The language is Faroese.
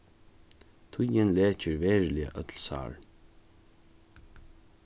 tíðin lekir veruliga øll sár